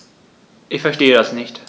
Ich verstehe das nicht.